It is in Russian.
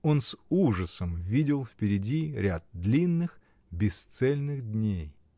Он с ужасом видел впереди ряд длинных, бесцельных дней.